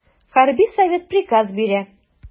Хәрби совет приказ бирә.